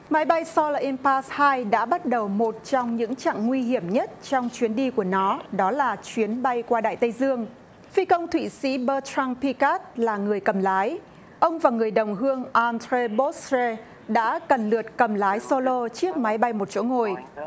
máy bay so lờ im pa hai đã bắt đầu một trong những chặng nguy hiểm nhất trong chuyến đi của nó đó là chuyến bay qua đại tây dương phi công thụy sĩ bơ trăng pi cát là người cầm lái ông và người đồng hương an trê bốt trê đã cần lượt cầm lái xô lô chiếc máy bay một chỗ ngồi